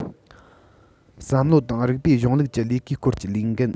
བསམ བློ དང རིགས པའི གཞུང ལུགས ཀྱི ལས ཀའི སྐོར གྱི ལས འགན